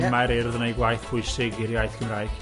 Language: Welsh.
...ond mae'r Urdd yn neud gwaith pwysig i'r iaith Gymraeg.